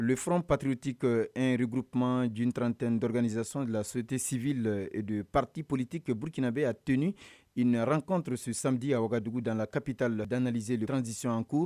Le furanonpurti ka eyurkjtrɛntedk2z27 la s soytesiv laur patipolite kɛ burukina bɛ a to in narenkur ssanmdi a wagadugu da la kapita ladanaze ranzsiyku